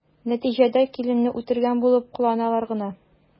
Нәтиҗәдә киленне үтергән булып кыланалар гына.